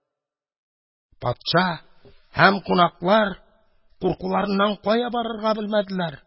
Патша һәм кунаклар куркуларыннан кая барырга белмәделәр.